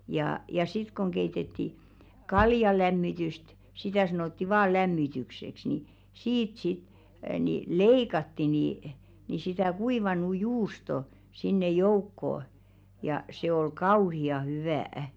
ja ja sitten kun keitettiin kaljanlämmitystä sitä sanottiin vain lämmitykseksi niin siitä sitten niin leikattiin niin sitä kuivanut juustoa sinne joukkoon ja se oli kauhean hyvää